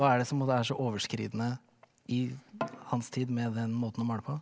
hva er det som på en måte er så overskridende i hans tid med den måten å måle på?